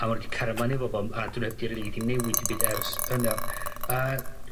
a ma nw 'di cario mlaen efo fo a 'dyn nw dim rili 'di newid dim byd ers hwnnw a